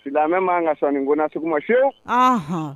Silamɛmɛ man kan ka sɔn nin ko nasugu ma fiyew